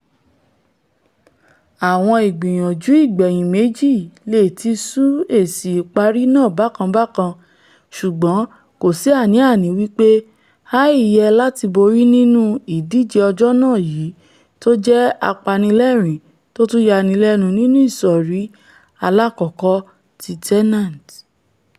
Awọn ìgbìyànjú ìgbẹ̀yìn méjì leè ti sún èsì ìpari náà bákan-bákan, ṣùgbọ́n kòsí àni-àní wí pé Ayr yẹ láti borí nínú ìdíje ọjọ́ náà yìí tójẹ́ apanilẹ́ẹ̀rín tótún yanilẹ́nu nínú Ìṣọ̀rí Aláàkọ́kọ́ ti Tennent.